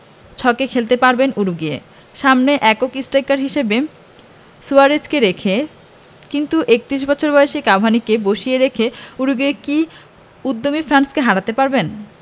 ছকে খেলতে পারবেন উরুগুয়ে সামনে একক স্ট্রাইকার হিসেবে সুয়ারেজকে রেখে কিন্তু ৩১ বছর বয়সী কাভানিকে বসিয়ে রেখে উরুগুয়ে কি উদ্যমী ফ্রান্সকে হারাতে পারবেন